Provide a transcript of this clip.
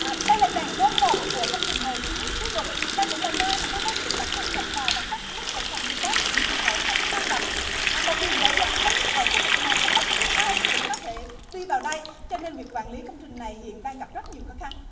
đây là trạm số một của công trình hồ chứa nước suối vực đây cũng là nơi mà các đối tượng đặt thâm nhập vào và cắt đứt một phần dây cáp cũng như hệ thống nâng đập một điều dễ dàng thấy nhất ở khu vực này là bất cứ ai cũng có thể đi vào đây cho nên việc quản lý công trình này hiện đang gặp rất nhiều khó khăn